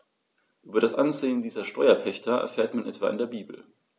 Über das Ansehen dieser Steuerpächter erfährt man etwa in der Bibel.